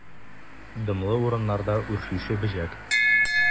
Дымлы урыннарда үрчүче бөҗәк.